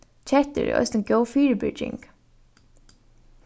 kettur eru eisini góð fyribyrging